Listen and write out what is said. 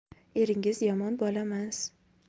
eringiz yomon bolamas